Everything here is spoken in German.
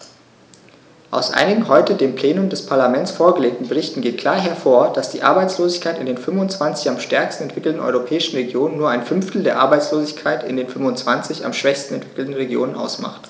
Aus einigen heute dem Plenum des Parlaments vorgelegten Berichten geht klar hervor, dass die Arbeitslosigkeit in den 25 am stärksten entwickelten europäischen Regionen nur ein Fünftel der Arbeitslosigkeit in den 25 am schwächsten entwickelten Regionen ausmacht.